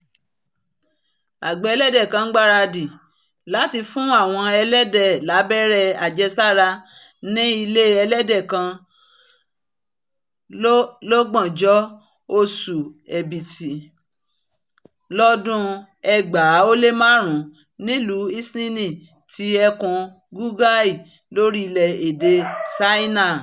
Àgbẹ̀ ẹlẹ́dẹ̀ kan ńgbaradì láti fún àwọn ẹlẹ́dẹ̀ lábẹ́rẹ́ àjẹsára ní ilé ẹlẹ́dẹ̀ kan lọ́gbọ̀njọ́, Oṣù Ẹ̀bibi, lọ́dun 2005 nílù Xining ti Ẹkùn Qinghai, lorílẹ̀-èdè Ṣáínà.